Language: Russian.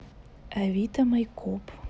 авито майкоп